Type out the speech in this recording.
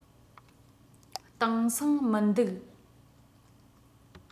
དེང སང མི འདུག